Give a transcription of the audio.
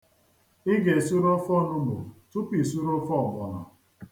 I ga-esuru ofe onugbuo tupu i suru ofe ọgbọnọ.